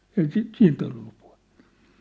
ei - siitä ollut puhetta